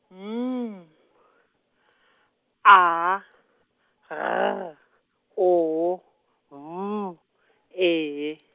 M A G O B E.